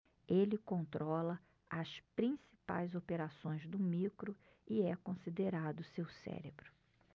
ele controla as principais operações do micro e é considerado seu cérebro